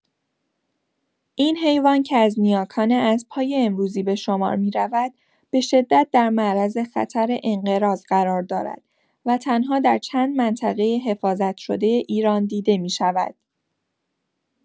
این حیوان که از نیاکان اسب‌های امروزی به شمار می‌رود، به‌شدت در معرض خطر انقراض قرار دارد و تنها در چند منطقه حفاظت‌شده ایران دیده می‌شود.